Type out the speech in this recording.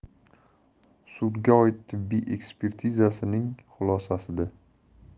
sudga oid tibbiy ekspertizasining xulosasida